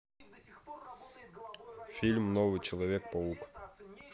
фильм новый человек паук